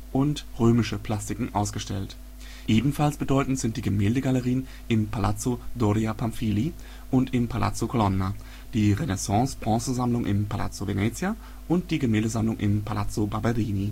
und römische Plastiken ausgestellt. Ebenfalls bedeutend sind die Gemäldegalerien im Palazzo Doria Pamphili und im Palazzo Colonna, die Renaissance-Bronzensammlung im Palazzo Venezia und die Gemäldesammlung im Palazzo Barberini